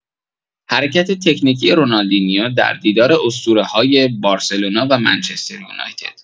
حرکت تکنیکی رونالدینیو در دیدار اسطوره‌های بارسلونا و منچستریونایتد